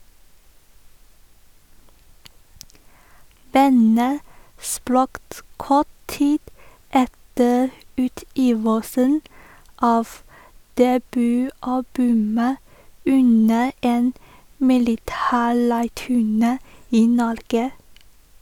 Bandet sprakk kort tid etter utgivelsen av debutalbumet, under en militærleirturné i Norge.